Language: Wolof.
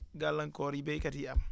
gàllankoor yi béykat yi am